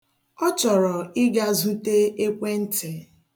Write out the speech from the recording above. Ọ chọrọ ị ga-zute ekwentị.